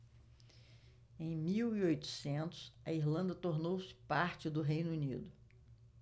em mil e oitocentos a irlanda tornou-se parte do reino unido